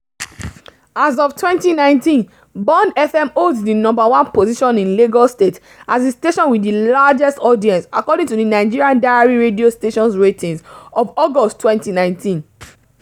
As of 2019, Bond FM holds the number 1 position in Lagos State as the station with the largest audience, according to the Nigeria Diary Radio Stations Ratings of August 2019.